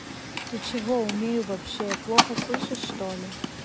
ты чего умею вообще плохо слышишь что ли